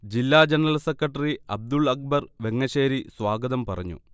ജില്ലാ general secretary Abdul Akbar Vengasseri സ്വാഗതം പറഞ്ഞു